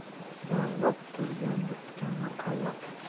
jallob turgan bitgani qallob